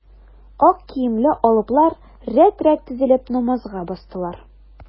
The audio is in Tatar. Ак киемле алыплар рәт-рәт тезелеп, намазга бастылар.